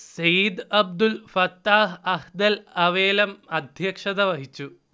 സെയ്ദ് അബ്ദുൽ ഫത്താഹ് അഹ്ദൽ അവേലം അധ്യക്ഷത വഹിച്ചു